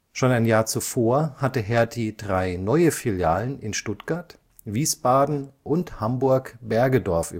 Schon ein Jahr zuvor hatte Hertie drei neue Filialen in Stuttgart, Wiesbaden und Hamburg-Bergedorf